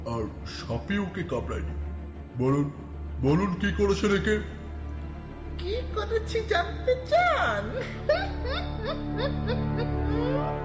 আর সাপে ওকে কামড়ায়নি বলুন বলুন কি করেছেন এ কে কি করেছি জানতে চান